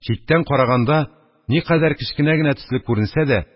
Читтән караганда никадәр кечкенә генә төсле күренсә дә,